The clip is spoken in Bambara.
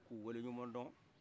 ku waleɲumandɔn